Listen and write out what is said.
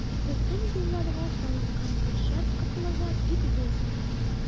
Бөтен елларга салынган бюджет кытлыгы бик зур санала.